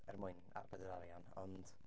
Er mwyn arbed yr arian, ond...